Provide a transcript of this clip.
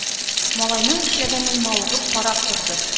Малайның эшләгәнен мавыгып карап торды.